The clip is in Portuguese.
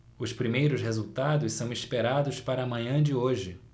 os primeiros resultados são esperados para a manhã de hoje